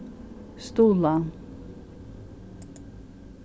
stuðlað